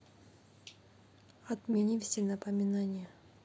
отмени все напоминания